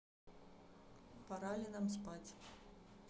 пора ли нам спать